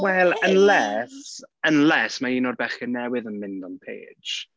Wel unless... unless mae un o'r bechgyn newydd yn mynd am Paige.